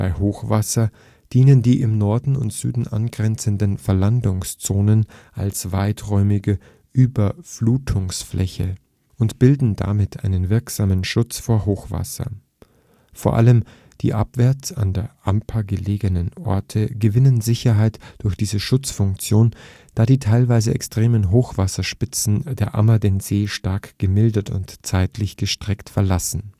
Hochwasser dienen die im Norden und Süden angrenzenden Verlandungszonen als weiträumige Überflutungsfläche und bilden damit einen wirksamen Schutz vor Hochwasser. Vor allem die abwärts an der Amper gelegenen Orte gewinnen Sicherheit durch diese Schutzfunktion, da die teilweise extremen Hochwasserspitzen der Ammer den See stark gemildert und zeitlich gestreckt verlassen